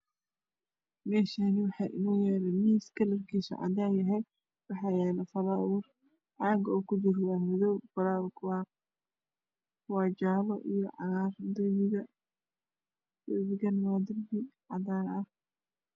Meshani waxa ino yaalo miis kalarkiso cadan yahay waxa yalo falawor caga oow ku jiro waa madow faloworka neh waa jaale io cagaar dirbiga waa cadan